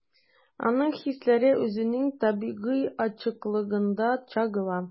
Аның хисләре үзенең табигый ачыклыгында чагыла.